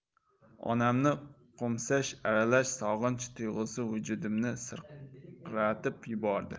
onamni qo'msash aralash sog'inch tuyg'usi vujudimni sirqiratib yubordi